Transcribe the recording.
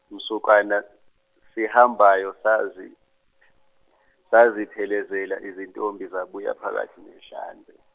msukwana, sihambayo sazi- zasiphelezela izintombi zabuya phakathi nehlanze.